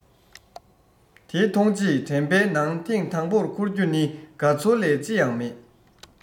དེ མཐོང རྗེས དྲན པའི ནང ཐེངས དང པོར འཁོར རྒྱུ ནི དགའ ཚོར ལས ཅི ཡང མེད